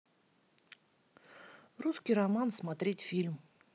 русский роман смотреть фильм